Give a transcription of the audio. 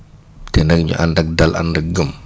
te nag ñu àndag dal àndag gëm